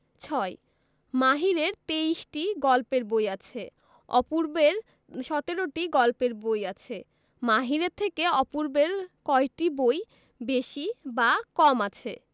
৬ মাহিরের ২৩টি গল্পের বই আছে অপূর্বের ১৭টি গল্পের বই আছে মাহিরের থেকে অপূর্বের কয়টি বই বেশি বা কম আছে